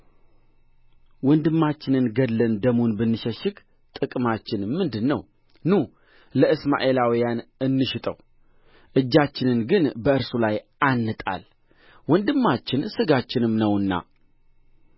ወንድማችንን ገድለን ደሙን ብንሸሽግ ጥቅማችን ምንድር ነው ኑ ለእስማኤላውያን እንሽጠው እጃችንን ግን በእርሱ ላይ አንጣል ወንድማችን ሥጋችንም ነውና